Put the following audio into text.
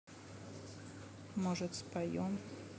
может споем